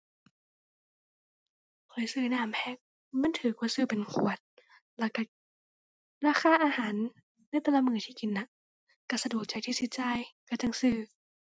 ข้อยซื้อน้ำแพ็กเพราะมันถูกกว่าซื้อเป็นขวด แล้วถูกราคาอาหารในแต่ละมื้อที่กินน่ะ ถูกสะดวกใจที่สิจ่ายถูกจั่งซื้อ